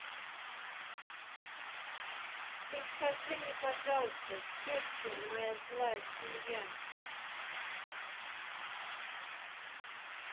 а ты скажи мне пожалуйста теща моя злая свинья